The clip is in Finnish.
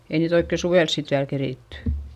ei niitä oikein suvella sitten vielä keritty